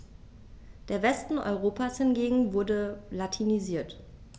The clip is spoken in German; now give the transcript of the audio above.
Der Westen Europas hingegen wurde latinisiert.